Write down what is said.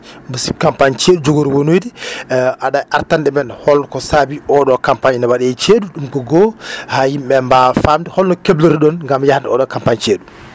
mbi sikki campagne ceeɗu jogori wonoyde e aɗa artande men holko saabi oɗo campagne ne waɗe ceeɗu ɗum ko goho ha yimɓeɓe mbawa famde holno kelori ɗon gam yaade oɗo campagne ceeɗu